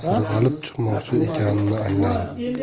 qo'ldan sirg'alib chiqmoqchi ekanini angladi